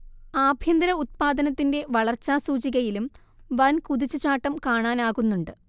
ആഭ്യന്തര ഉത്പാദനത്തിന്റെ വളർച്ചാ സൂചികയിലും വൻകുതിച്ചു ചാട്ടം കാണാനാകുന്നുണ്ട്